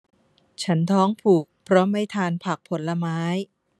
ฉันท้องผูกเพราะไม่ทานผักผลไม้